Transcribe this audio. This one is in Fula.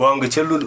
goonga celluɗo